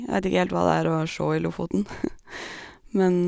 Jeg vet ikke helt hva det er å sjå i Lofoten, men...